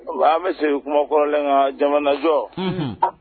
an bɛ se kuma kɔrɔlen ka jamanajɔ, unhun